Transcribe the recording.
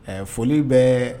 Ɛɛ foli bɛ